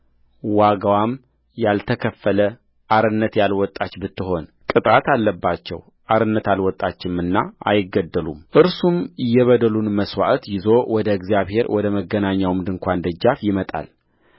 ዋጋዋም ያልተከፈለ አርነት ያልወጣች ብትሆን ቅጣት አለባቸው አርነት አልወጣችምና አይገደሉምእርሱም የበደሉን መሥዋዕት ይዞ ወደ እግዚአብሔር ወደ መገናኛው ድንኳን ደጃፍ ይመጣል